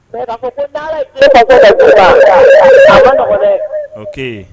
Mais k'a fɔ ni ala ye ka b'i la a ma nɔgɔn dɛ! ok .